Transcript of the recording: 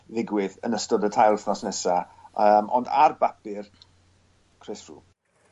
ddigwydd yn ystod y tair wthnos nesa yym ond ar bapur Chris Froome